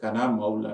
Ka'a maaw la